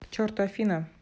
к черту афина